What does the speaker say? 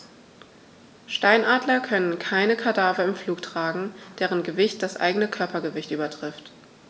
Steinadler können keine Kadaver im Flug tragen, deren Gewicht das eigene Körpergewicht übertrifft.